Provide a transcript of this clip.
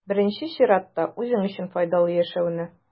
Беренче чиратта, үзең өчен файдалы яшәүне.